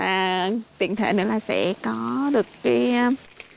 và tiện thể nữa là sẽ có được cấy